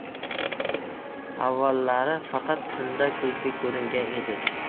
avvallari faqat tunda ko'zga ko'ringan edi